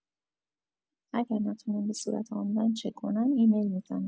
اگر نتونن به صورت آنلاین چک کنن ایمیل می‌زنن